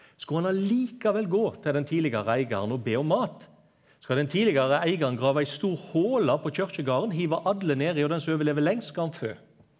skulle han likevel gå til den tidlegare eigaren å be om mat skal den tidlegare eigaren grava eit stor hola på kyrkjegarden hive alle nedi og den som overlev lengst skal han fø.